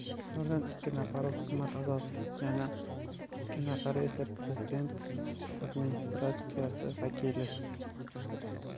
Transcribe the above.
ulardan ikki nafari hukumat a'zosi yana ikki nafari esa prezident administratsiyasi vakili